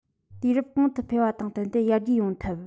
དུས རབས གོང དུ འཕེལ བ དང བསྟུན ཏེ ཡར རྒྱས ཡོང ཐབས